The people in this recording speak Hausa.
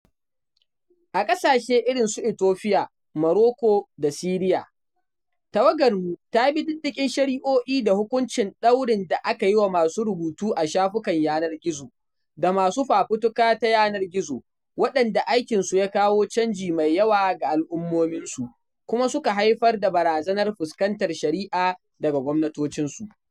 A ƙasashe irin su Itofiya, Moroko, da Siriya, tawagarmu ta bi diddigin shari’o’i da hukuncin ɗaurin da aka yiwa masu rubutu a shafukan yanar gizo da masu fafutuka ta yanar gizo, waɗanda aikinsu ya kawo canji mai yawa ga al’ummominsu kuma suka haifar da barazanar fuskantar shari'a daga gwamnatocinsu.